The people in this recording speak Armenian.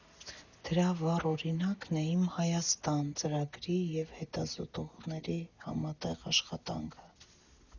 Դրա վառ օրինակն է «Իմ Հայաստան» ծրագրի և հետազոտողների համատեղ աշխատանքը։